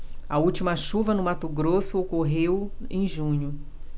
a última chuva no mato grosso ocorreu em junho